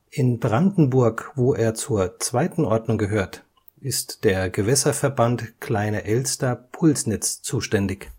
In Brandenburg, wo er zur II. Ordnung gehört, ist der Gewässerverband Kleine Elster – Pulsnitz zuständig